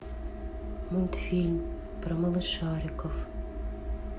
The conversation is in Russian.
мультфильм про малышариков